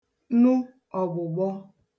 nu ọ̀gbụ̀gbọ